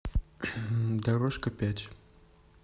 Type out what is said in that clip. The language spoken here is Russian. дорожка пять